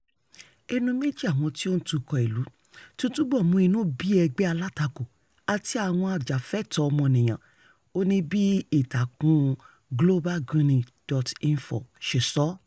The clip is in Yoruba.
Ẹnu méjì àwọn tí ó ń tukọ̀ ìlú ti túbọ̀ mú inú bí ẹgbẹ́ alátakò àti àwọn àjàfẹ́tọ̀ọ́ ọmọnìyàn, ó ní bí ìtakùn globalguinee.info ṣe sọ: